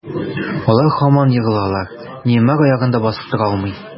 Алар һаман егылалар, Неймар аягында басып тора алмый.